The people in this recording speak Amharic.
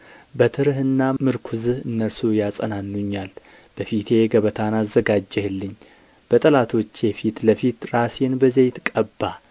በትርህና ምርኵዝህ እነርሱ ያጸናኑኛል በፊቴ ገበታን አዘጋጀህልኝ በጠላቶቼ ፊት ለፊት ራሴን በዘይት ቀባህ